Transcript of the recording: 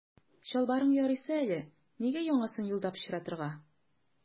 Чалбарың ярыйсы әле, нигә яңасын юлда пычратырга.